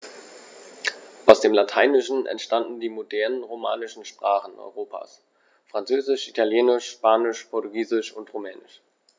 Aus dem Lateinischen entstanden die modernen „romanischen“ Sprachen Europas: Französisch, Italienisch, Spanisch, Portugiesisch und Rumänisch.